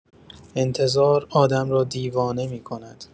انتظار آدم را دیوانه می‌کند.